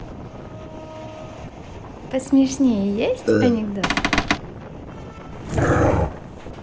посмешнее есть анекдот